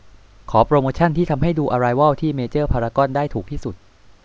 ขอโปรโมชันที่ทำให้ดูอะไรวอลที่เมเจอร์พารากอนได้ถูกที่สุด